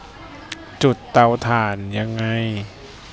จุดเตาถ่านยังไง